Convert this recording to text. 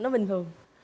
nó bình thường